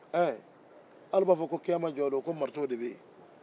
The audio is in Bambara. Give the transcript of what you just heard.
ɛɛ hali u b'a fɔ kiyama jɔdon ko maritow de bɛ yen